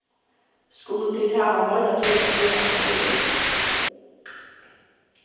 skulu tit hava meira tíð at gera hatta liðugt